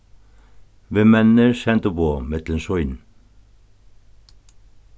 vinmenninir sendu boð millum sín